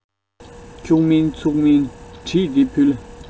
འཁྱུག མིན ཚུགས མིན བྲིས ཏེ ཕུལ